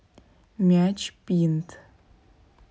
мяч пинт